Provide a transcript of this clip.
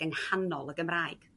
yng nghanol y Gymraeg